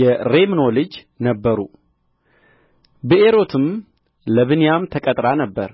የሬሞን ልጆች ነበሩ ብኤሮትም ለብንያም ተቈጥራ ነበር